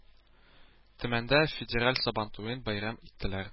Төмәндә федераль Сабантуен бәйрәм иттеләр